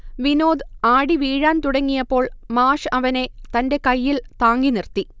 വിനോദ് ആടി വീഴാൻ തുടങ്ങിയപ്പോൾ മാഷ് അവനെ തന്റെ കയ്യിൽ താങ്ങി നിർത്തി